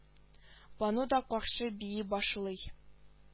Бану да каршы бии башлый